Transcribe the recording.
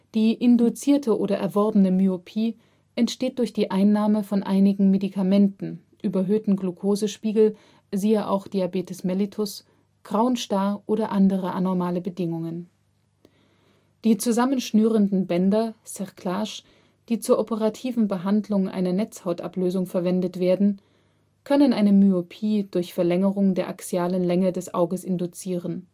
Die Induzierte oder erworbene Myopie entsteht durch die Einnahme von einigen Medikamenten, überhöhten Glucose-Spiegel (siehe auch Diabetes mellitus), Grauen Star oder andere anormale Bedingungen. Die zusammenschnürenden Bänder (Cerclage), die zur operativen Behandlung einer Netzhautablösung verwendet werden, können eine Myopie durch Verlängerung der axialen Länge des Auges induzieren